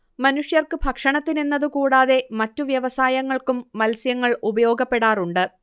മനുഷ്യർക്ക് ഭക്ഷണത്തിനെന്നതുകൂടാതെ മറ്റു വ്യവസായങ്ങൾക്കും മത്സ്യങ്ങൾ ഉപയോഗപ്പെടാറുണ്ട്